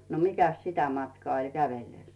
no mikäs sitä matkaa oli kävellessä